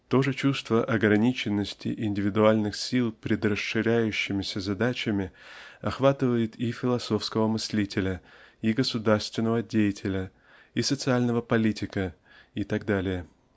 То же чувство ограниченности индивидуальных сил пред расширяющимися задачами охватывает и философского мыслителя и государственного деятеля и социального политика и т. д.